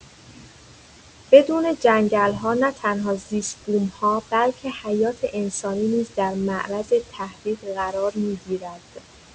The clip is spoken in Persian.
بدون جنگل‌ها نه‌تنها زیست‌بوم‌ها، بلکه حیات انسانی نیز در معرض تهدید قرار می‌گیرد.